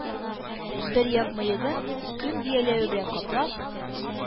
Бер як мыегын күн бияләе белән каплап,